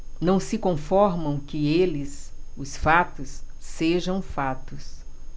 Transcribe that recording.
não se conformam que eles os fatos sejam fatos